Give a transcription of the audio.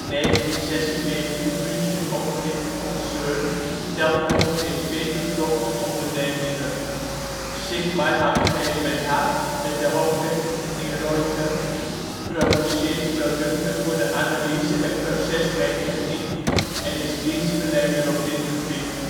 Het in 1946 in München opgerichte concern telt ongeveer 40 dochterondernemingen. SICK MAIHAK GmbH, met de hoofdvestiging in Reute, produceert producten voor de analyse - en procesmeettechniek en is dienstverlener op dit gebied